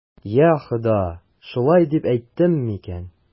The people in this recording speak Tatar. Йа Хода, шулай дип әйттем микән?